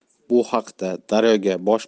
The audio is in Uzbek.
bu haqda daryo ga bosh